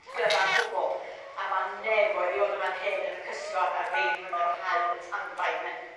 gyfan gwbl a ma' nefoedd i fod y' fan hyn yn y cysgod a ddim yn yr haul tanbaid 'ne.